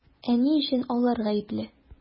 Ә ни өчен алар гаепле?